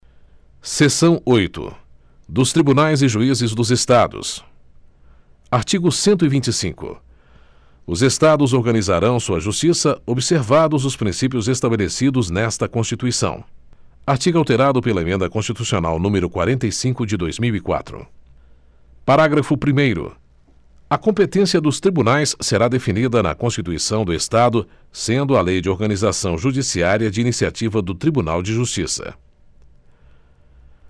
seção oito dos tribunais e juízes dos estados artigo cento e vinte e cinco os estados organizarão sua justiça observados os princípios estabelecidos nesta constituição artigo alterado pela emenda constitucional número quarenta e cinco de dois mil e quatro parágrafo primeiro a competência dos tribunais será definida na constituição do estado sendo a lei de organização judiciária de iniciativa do tribunal de justiça